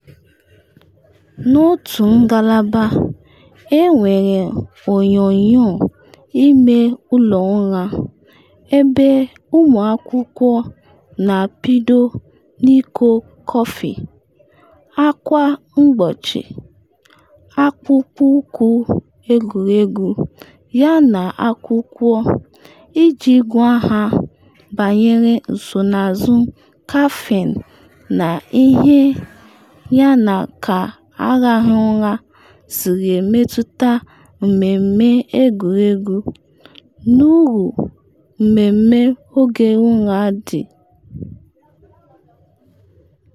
N’otu ngalaba enwere onyonyo ime ụlọ ụra, ebe ụmụ akwụkwọ na-apịdo n’iko kọfị, akwa mgbochi, akpụkpụ ụkwụ egwuregwu yana akwụkwọ iji gwa ha banyere nsonazụ kafin na ihie yana ka arahụghị ụra siri emetụta mmemme egwuregwu, n’uru mmemme oge ụra dị.